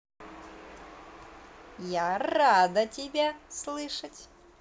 я рада тебя слышать